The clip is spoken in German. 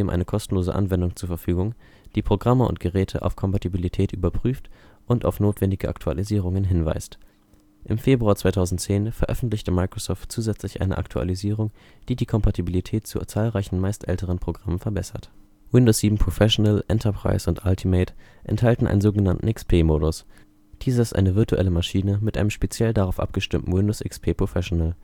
eine kostenlose Anwendung zur Verfügung, die Programme und Geräte auf Kompatibilität überprüft und auf notwendige Aktualisierungen hinweist. Im Februar 2010 veröffentlichte Microsoft zusätzlich eine Aktualisierung, die die Kompatibilität zu zahlreichen meist älteren Programmen verbessert. Windows 7 Professional, Enterprise und Ultimate enthalten einen sogenannten XP-Modus. Dieser ist eine virtuelle Maschine mit einem speziell darauf abgestimmten Windows XP Professional